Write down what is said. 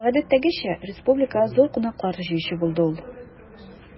Гадәттәгечә, республикага зур кунаклар җыючы булды ул.